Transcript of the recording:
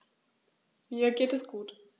Mir geht es gut.